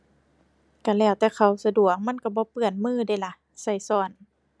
ก็แล้วแต่เขาสะดวก มันก็บ่เปื้อนมือเดะล่ะ ก็ก็